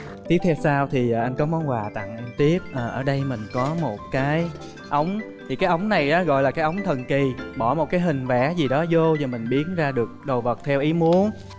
tiếp theo sau thì anh có món quà tặng tiếp ở đây mình có một cái ống thì cái ống này á gọi là cái ống thần kỳ bỏ một cái hình vẽ gì đó vô và mình biến ra được đồ vật theo ý muốn